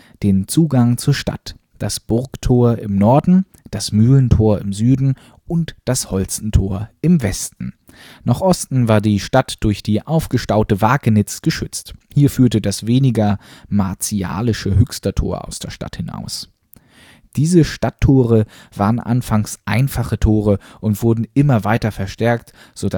den Zugang zur Stadt: das Burgtor im Norden, das Mühlentor im Süden und das Holstentor im Westen. Nach Osten war die Stadt durch die aufgestaute Wakenitz geschützt. Hier führte das weniger martialische Hüxtertor aus der Stadt hinaus. Diese Stadttore waren anfangs einfache Tore und wurden immer weiter verstärkt, so